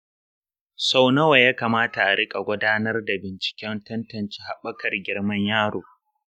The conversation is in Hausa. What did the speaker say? sau nawa ya kamata a riƙa gudanar da binciken tantance haɓakar girman yaro